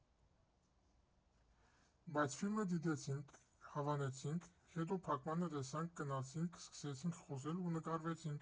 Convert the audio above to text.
Բայց ֆիլմը դիտեցինք, հավանեցինք, հետո փակմանը տեսանք, գնացինք սկսեցինք խոսել ու նկարվեցինք։